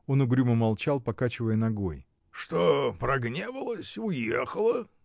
Он угрюмо молчал, покачивая ногой. — Что, прогневалась, уехала?